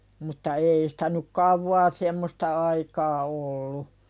mutta ei sitä nyt kauaa semmoista aikaa ollut